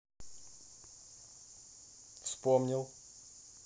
вспомнил